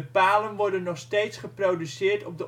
palen worden nog steeds geproduceerd op